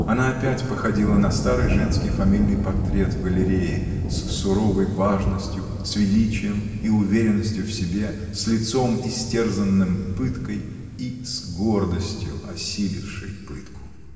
Она опять походила на старый женский фамильный портрет в галерее, с суровой важностью, с величием и уверенностью в себе, с лицом, истерзанным пыткой, и с гордостью, осилившей пытку.